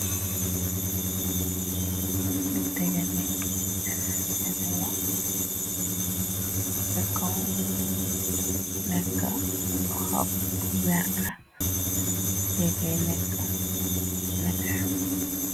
Lu tegene nete la ckow nekka habbu verta léggay nekka nete.